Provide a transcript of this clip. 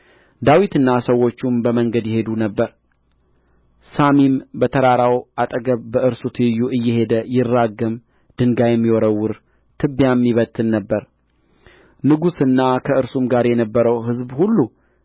ዳዊትና ሰዎቹም በመንገድ ይሄዱ ነበር ሳሚም በተራራው አጠገብ በእርሱ ትይዩ እየሄደ ይራገም ድንጋይም ይወረውር ትቢያም ይበትን ነበር ንጉሡና ከእርሱም ጋር የነበረው ሕዝብ ሁሉ